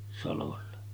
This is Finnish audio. salolle